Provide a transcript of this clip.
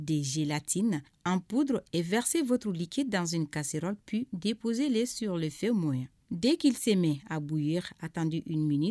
Zo vseli ka p depze de si defɛn mɔn ye den kise mɛ a b'u a tan